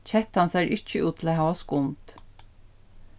kettan sær ikki út til at hava skund